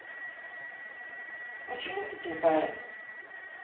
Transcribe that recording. почему ты тупая